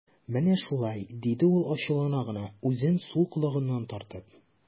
Менә шулай, - диде ул ачулы гына, үзен сул колагыннан тартып.